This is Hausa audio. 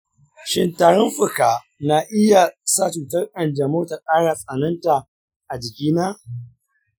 shin tarin fuka na iya sa cutar ƙanjamau ta ƙara tsananta a jikina?